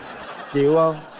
chịu không